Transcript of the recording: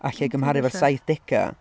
Alle i gymharu efo'r saithdegau?